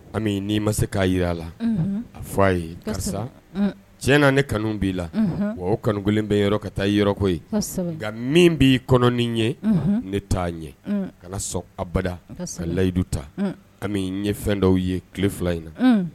N'i ma se'a jira a la a f a ye gasa cɛ na ne kanu b'i la o kanukolon bɛ yɔrɔ ka taa yɔrɔko ye nka min b'i kɔnɔ ni ɲɛ ne t'a ɲɛ ka na sɔn abada ka layidu ta ka ye fɛn dɔw ye tile fila in na